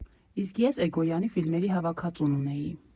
Իսկ ես Էգոյանի ֆիլմերի հավաքածուն ունեի։